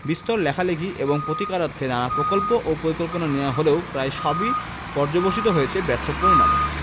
বিস্তর লেখালেখি এবং প্রতিকারার্থে নানা প্রকল্প ও পরিকল্পনা নেয়া হলেও প্রায় সবই পর্যবসিত হয়েছে ব্যর্থ পরিণামে